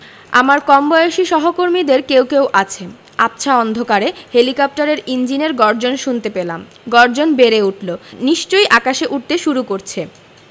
আমার কমবয়সী সহকর্মীদের কেউ কেউ আছে আবছা অন্ধকারে হেলিকপ্টারের ইঞ্জিনের গর্জন শুনতে পেলাম গর্জন বেড়ে উঠলো নিশ্চয়ই আকাশে উড়তে শুরু করছে